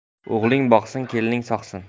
o'g'ling boqsin kelining sog'sin